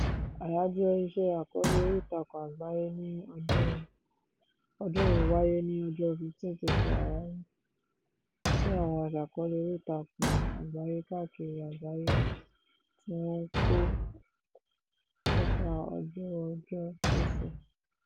Àyájọ́ Ìṣe àkọọ́lẹ̀ oríìtakùn àgbáyé ní ọdún yìí wáyé ní ọjọ́ 15 oṣù Ọ̀wàwà, tí àwọn aṣàkọọ́lẹ̀ oríìtakùn àgbáyé káàkiri àgbáyé tí wọ́n ń kọ nípa ojú-ọjọ́ pésẹ̀.